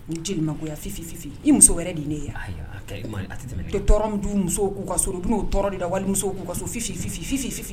Ni jelikuya fi i muso wɛrɛ de ne ye tɔɔrɔ min k'u ka sɔrɔ u dun'o tɔɔrɔ de da wali b'u ka so fi fi fi